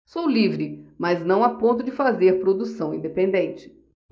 sou livre mas não a ponto de fazer produção independente